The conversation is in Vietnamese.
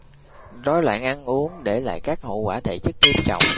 rối loạn ăn uống để lại các hậu quả thể chất nghiêm trọng